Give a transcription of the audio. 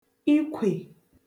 ikwè